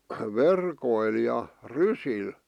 verkoilla ja rysillä